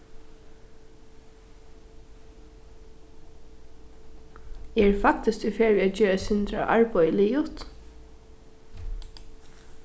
eg eri faktiskt í ferð við at gera eitt sindur av arbeiði liðugt